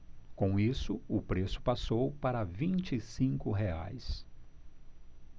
com isso o preço passou para vinte e cinco reais